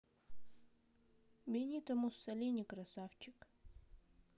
бенито муссолини красавчик